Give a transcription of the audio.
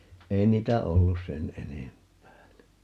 ei niitä ollut sen enempää -